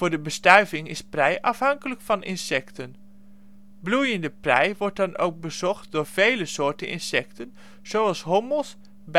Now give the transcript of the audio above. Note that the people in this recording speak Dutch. de bestuiving is prei afhankelijk van insecten. Bloeiende prei wordt dan ook bezocht door vele soorten insecten, zoals hommels, bijen